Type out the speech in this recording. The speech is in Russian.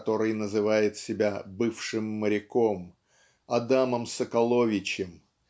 который называет себя бывшим моряком Адамом Соколовичем